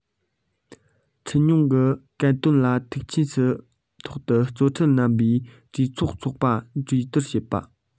འཕྲལ མྱུར གྱི གལ དོན ལ ཐུག ཆེ དུས ཐག ཏུ གཙོ ཁྲིད རྣམ པའི གྲོས ཚོགས འཚོགས ནས གྲོས བསྡུར བྱེད པ